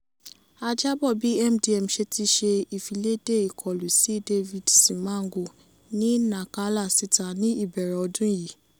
A jábọ̀ bí MDM ṣe ti ṣe ìfiléde ìkọlù sí David Simango ní Nacala síta ní ìbẹ̀rẹ̀ ọdún yìí.